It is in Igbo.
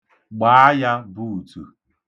Gbaa ya buutu!